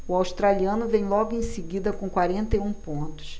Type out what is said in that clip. o australiano vem logo em seguida com quarenta e um pontos